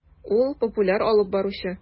Ул - популяр алып баручы.